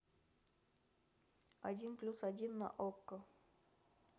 один плюс один на окко